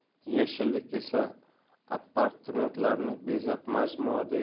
yashillik esa apartamentlarni bezab majmuada